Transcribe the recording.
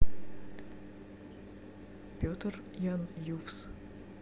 петр ян юфс